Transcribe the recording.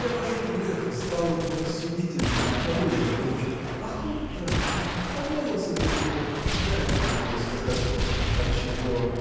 я вошел в лета, стал рассудительнее, оттого и задумчив. – А худ-то отчего? а волосы-то где? – Я не могу рассказать отчего.